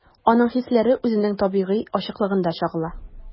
Аның хисләре үзенең табигый ачыклыгында чагыла.